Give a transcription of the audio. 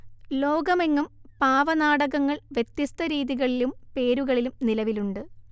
ലോകമെങ്ങും പാവനാടകങ്ങൾ വ്യത്യസ്ത രീതികളിലും പേരുകളിലും നിലവിലുണ്ട്